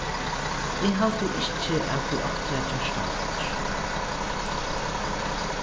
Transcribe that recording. eg haldi ikki at eg átti at gjørt tað aftur